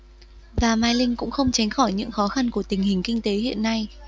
và mai linh cũng không tránh khỏi những khó khăn của tình hình kinh tế hiện nay